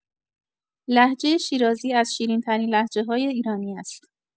لهجه شیرازی از شیرین‌ترین لهجه‌های ایرانی است.